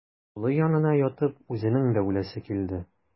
Улы янына ятып үзенең дә үләсе килде.